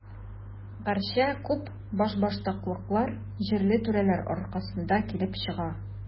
Гәрчә, күп башбаштаклыклар җирле түрәләр аркасында килеп чыга.